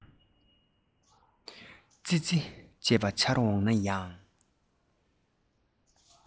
ཙི ཙི བཅས པ འཆར འོང ན ཡང